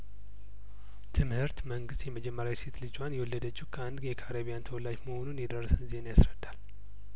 ትምህርት መንግስት የመጀመሪያሴት ልጇን የወለደችው ከአንድ የካሪቢያን ተወላጅ መሆኑን የደረሰን ዜና ያስረዳል